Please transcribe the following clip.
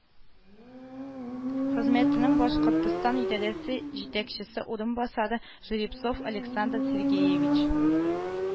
Хезмәтенең башкортстан идарәсе җитәкчесе урынбасары жеребцов александр сергеевич